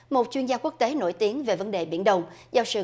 một chuyên gia quốc tế nổi tiếng về vấn đề biển đông giáo sư